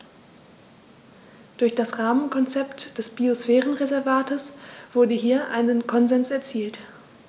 Durch das Rahmenkonzept des Biosphärenreservates wurde hier ein Konsens erzielt.